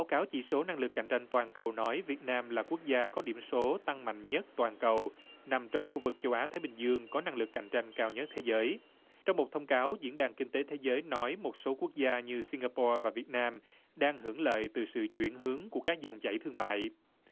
cáo chỉ số năng lực cạnh tranh toàn cầu nói việt nam là quốc gia có điểm số tăng mạnh nhất toàn cầu nằm trong khu vực châu á thái bình dương có năng lực cạnh tranh cao nhất thế giới trong một thông cáo diễn đàn kinh tế thế giới nói một số quốc gia như xinh ga bo và việt nam đang hưởng lợi từ sự chuyển hướng của các dòng chảy thương mại